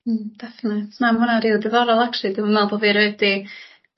Hmm definaly. Na ma' hwnna rili diddorol actually dwi'm yn me'wl bo' fi rieod 'di ...